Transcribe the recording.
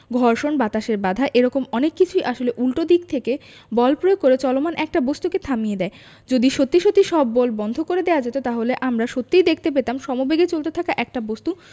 ঘর্ষণ বাতাসের বাধা এ রকম অনেক কিছু আসলে উল্টো দিক থেকে বল প্রয়োগ করে চলমান একটা বস্তুকে থামিয়ে দেয় যদি সত্যি সত্যি সব বল বন্ধ করে দেওয়া যেত তাহলে আমরা সত্যিই দেখতে পেতাম সমবেগে চলতে থাকা একটা বস্তু